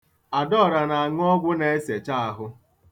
Adaọra na-aṅụ ọgwụ na-esecha ahụ.